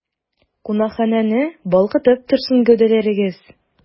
Кунакханәне балкытып торсын гәүдәләрегез!